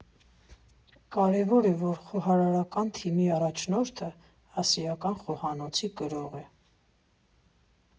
Կարևոր է, որ խոհարարական թիմի առաջնորդորդը ասիական խոհանոցի կրող է։